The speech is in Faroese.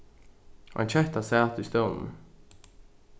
ein ketta sat í stólinum